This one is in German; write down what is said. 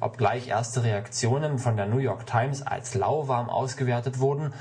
Obgleich erste Reaktionen von der New York Times als „ lauwarm “ausgewertet wurden